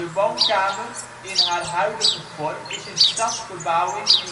woonkamer in haar huidige vorm is in stadsbebouwing